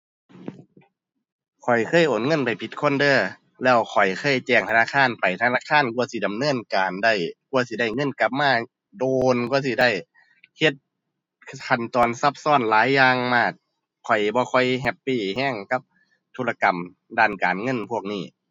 ข้อยเคยโอนเงินไปผิดคนเด้อ แล้วข้อยเคยแจ้งธนาคารไปธนาคารกว่าสิดำเนินการได้ กว่าสิได้เงินกลับมา โดนกว่าสิได้ เฮ็ด ขั้นตอนซับซ้อนหลายอย่างมาก ข้อยบ่ค่อยแฮปปีแรงกับธุรกรรมด้านการเงินพวกนี้